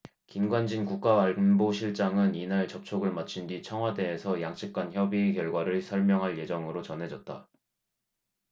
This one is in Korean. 김관진 국가안보실장은 이날 접촉을 마친 뒤 청와대에서 양측간 협의 결과를 설명할 예정으로 전해졌다